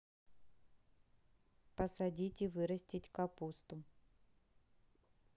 посадить и вырастить капусту